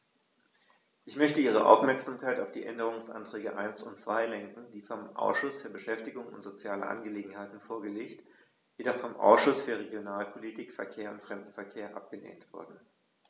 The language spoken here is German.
Ich möchte Ihre Aufmerksamkeit auf die Änderungsanträge 1 und 2 lenken, die vom Ausschuss für Beschäftigung und soziale Angelegenheiten vorgelegt, jedoch vom Ausschuss für Regionalpolitik, Verkehr und Fremdenverkehr abgelehnt wurden.